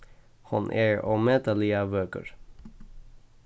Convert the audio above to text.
hon er ómetaliga vøkur